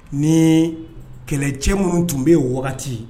Ni kɛlɛcɛ minnu tun bɛ yen wagati